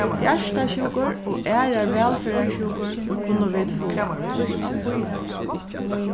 hjartasjúkur og aðrar vælferðarsjúkur kunnu vit fáa